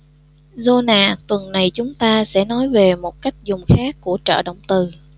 john à tuần này chúng ta sẽ nói về một cách dùng khác của trợ động từ